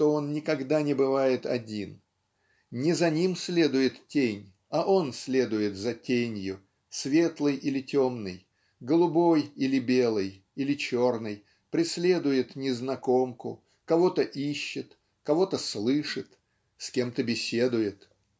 что он никогда не бывает один. Не за ним следует тень а он следует за тенью светлой или темной голубой или белой или черной преследует Незнакомку кого-то ищет кого-то слышит с кем-то беседует.